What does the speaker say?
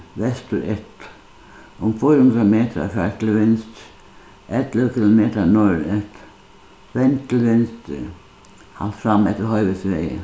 vestureftir um fýra hundrað metrar far til vinstru ellivu kilometrar norðureftir vend til vinstru halt fram eftir hoyvíksvegi